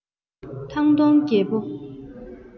ཐང སྟོང རྒྱལ བོ